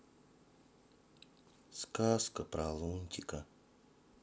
сказка про лунтика